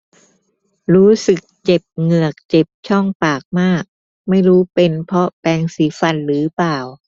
รู้สึกเจ็บเหงือกเจ็บช่องปากมากไม่รู้เป็นเพราะแปรงสีฟันหรือเปล่า